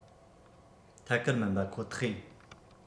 ཐད ཀར མིན པ ཁོ ཐག ཡིན